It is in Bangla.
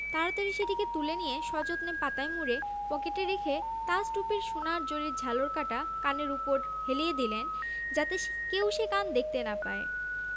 তাড়াতাড়ি সেটিকে তুলে নিয়ে সযত্নে পাতায় মুড়ে পকেটে রেখে তাজ টুপির সোনার জরির ঝালর কাটা কানের উপর হেলিয়ে দিলেন যাতে কেউ কান দেখতে না পায়